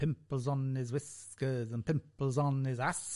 Pimples on his whiskers and pimples on his ass.